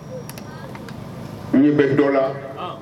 N bɛ dɔ la